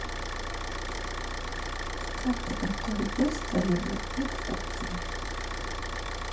как приготовить быстро еду и вкусно